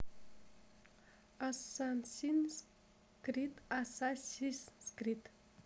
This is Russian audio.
ассасинс крид ассасинс крид